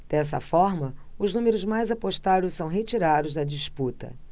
dessa forma os números mais apostados são retirados da disputa